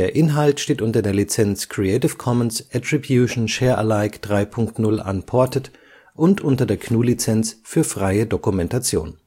Inhalt steht unter der Lizenz Creative Commons Attribution Share Alike 3 Punkt 0 Unported und unter der GNU Lizenz für freie Dokumentation